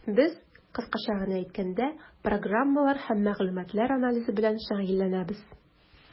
Без, кыскача гына әйткәндә, программалар һәм мәгълүматлар анализы белән шөгыльләнәбез.